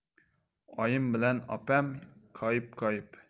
oyim bilan opam koyib koyib